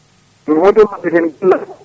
ene woodi e mabɓe ko hen tinata